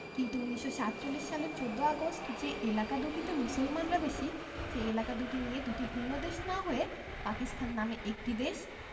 কিন্তু ১৯৪৭ সালের ১৪ আগস্ট যে এলাকা দুটিতে মুসলমানরা বেশি সেই এলাকা দুটি নিয়ে দুটি ভিন্ন দেশ না হয়ে পাকিস্তান নামে একটি দেশ